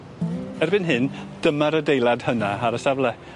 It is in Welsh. Erbyn hyn dyma'r adeilad hynna ar y safle.